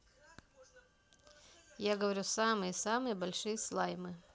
я говорю самые самые большие слаймы